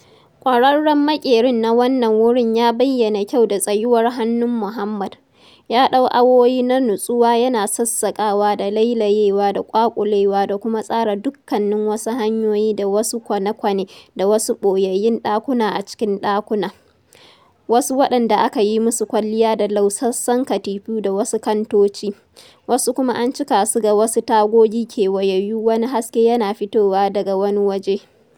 ƙwararren maƙerin na wannan wurin ya bayyana kyau da tsayuwar hannun Mohammed - ya ɗau awoyi na nutsuwa yana sassaƙawa da lailayewa da ƙwaƙulewa da kuma tsara dukkanin wasu hanyoyi da wasu kwane-kwane da wasu ɓoyayyun ɗakuna a cikin ɗakuna, wasu waɗanda aka yi musu kwalliya da lausasan katifu da wasu kantoci, wasu kuma an cika su ga wasu tagogi kewayayyu wani haske yana fitowa daga wani waje.